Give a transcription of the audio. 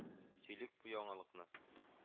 Сөйлик бу яңалыкны